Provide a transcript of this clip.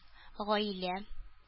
Гаилә